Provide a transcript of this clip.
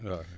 waaw